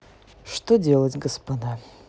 что делать господа